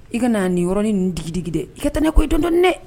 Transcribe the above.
I kana nin yɔrɔnin nunnu digidigi dɛ i ka ta n'a ko ye dɔn dɔn dɛ